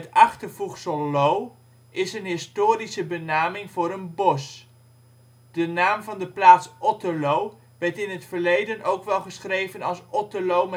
achtervoegsel lo is een historische benaming voor een bos. De naam van de plaats Otterlo werd in het verleden ook wel geschreven als Otterloo